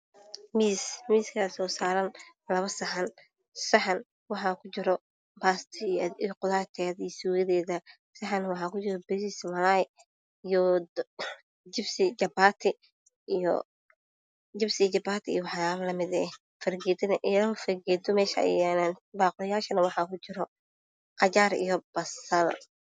Miis miiskaaso saran laba saxan saxan waxaa ku jiro baasta iyo adeg qudarteda iyo sugadeda saxana waxaa ku jiro bariis iyo malalay iyoo jibsi iyo jabati waxyaabo la mid fargeta meshay ay yalaa baquliyasha wa ku jiro qajaar iyo basal